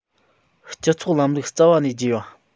སྤྱི ཚོགས ལམ ལུགས རྩ བ ནས བརྗེས པ